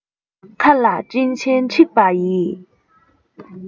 མཁའ ལ སྤྲིན ཆེན འཁྲིགས པ ཡིས